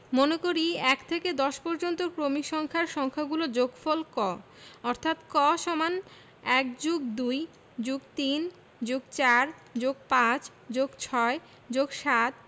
মনে করি ১ থেকে ১০ পর্যন্ত ক্রমিক স্বাভাবিক সংখ্যাগুলোর যোগফল ক অর্থাৎ ক = ১+২+৩+৪+৫+৬+৭